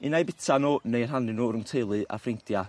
unai bita n'w neu rhannu n'w rwng teulu a ffrindia.